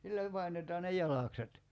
sillä painetaan ne jalakset